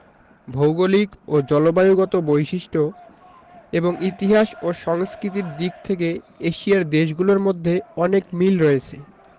ভৌগলিক ও জলবায়ুগত বৈশিষ্ট্য এবং ইতিহাস ও সংস্কৃতির দিক থেকে এশিয়ার দেশগুলোর মধ্যে অনেক মিল রয়েছে